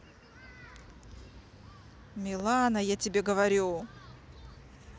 милана я тебе говорю